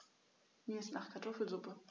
Mir ist nach Kartoffelsuppe.